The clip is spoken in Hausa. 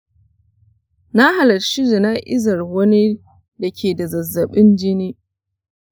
na halarci jana'izar wani da ke da zazzaɓin jini.